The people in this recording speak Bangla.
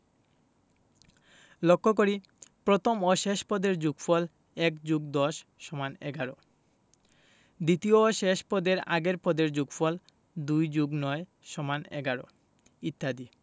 লক্ষ করি প্রথম ও শেষ পদের যোগফল ১+১০=১১ দ্বিতীয় ও শেষ পদের আগের পদের যোগফল ২+৯=১১ ইত্যাদি